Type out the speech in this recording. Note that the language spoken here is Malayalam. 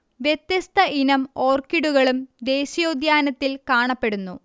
വ്യത്യസ്ത ഇനം ഓർക്കിഡുകളും ദേശീയോദ്യാനത്തിൽ കാണപ്പെടുന്നു